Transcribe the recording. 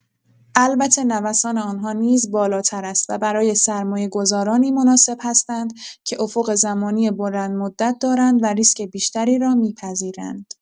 البته نوسان آنها نیز بالاتر است و برای سرمایه‌گذارانی مناسب هستند که افق زمانی بلندمدت دارند و ریسک بیشتری را می‌پذیرند.